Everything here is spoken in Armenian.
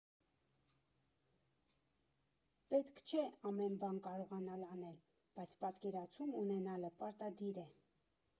Պետք չէ ամեն բան կարողանալ անել, բայց պատկերացում ունենալը պարտադիր է։